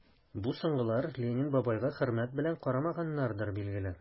Бу соңгылар Ленин бабайга хөрмәт белән карамаганнардыр, билгеле...